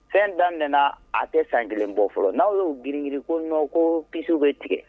Fɛn dan mɛnɛna a tɛ san kelen bɔ fɔlɔ n'aw y'ou giriniri koɔ ko kiw bɛ tigɛ